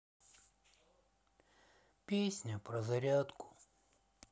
песня про зарядку